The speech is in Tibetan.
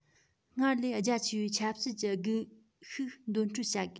སྔར ལས རྒྱ ཆེ བའི ཆབ སྲིད ཀྱི སྒུལ ཤུགས འདོན སྤྲོད བྱ དགོས